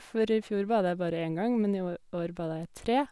For i fjor bada jeg bare én gang men i åj år bada jeg tre.